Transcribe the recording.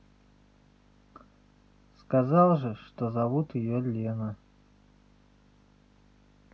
сказал же что ее зовут лена